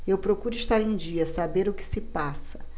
eu procuro estar em dia saber o que se passa